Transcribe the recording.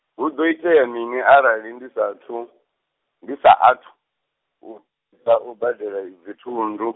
hu ḓo itea mini arali ndi sa athu, ndi sa athu, u da- badela dzithundu?